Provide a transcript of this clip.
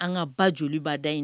An ka ba joliba da in